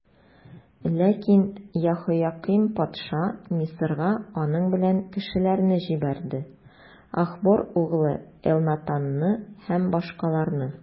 Ләкин Яһоякыйм патша Мисырга аның белән кешеләрне җибәрде: Ахбор углы Элнатанны һәм башкаларны.